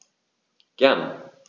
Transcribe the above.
Gern.